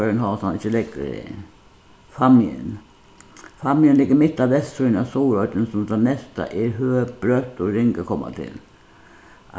føroyum hóast hann ikki leggur her fámjin fámjin liggur mitt á vestursíðuni á suðuroynni sum tað mesta er høg brøtt og ring at koma til